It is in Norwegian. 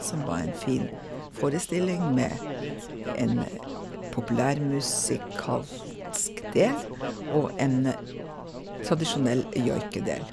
Som var en fin forestilling med en populærmusikalsk del, og en tradisjonell joikedel.